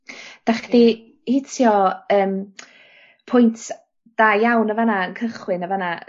'Dach chdi hitio yym pwynt da iawn yn fan 'na yn cychwyn yn fan 'na...